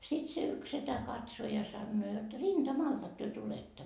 sitten se yksi setä katsoi ja sanoo jotta rintamaltako te tulette